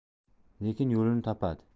lekin yo'lini topadi